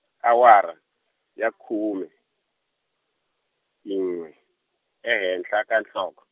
awara, ya khume, n'we, ehenhla ka nhloko.